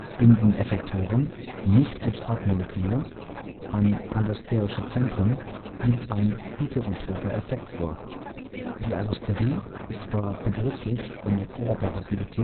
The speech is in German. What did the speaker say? Binden Effektoren (nicht Substratmoleküle) an allosterische Zentren, liegt ein heterotroper Effekt vor. Die Allosterie ist zwar begrifflich von der Kooperativität